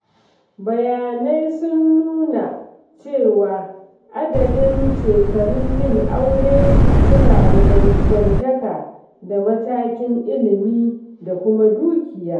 Bayanai sun nuna cewa adadin shekarun yin aure su na da danganta da matakin ilimi da kuma dukiya (TDHS).